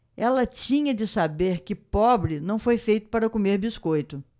ela tinha de saber que pobre não foi feito para comer biscoito